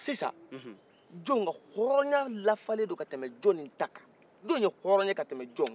sinsan jon ka hɔrɔya lafalen don katɛmɛ jonnin ta kan jon ye hɔrɔye katɛmɛ jonin kan